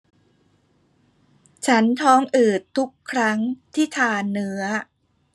ฉันท้องอืดทุกครั้งที่ทานเนื้อ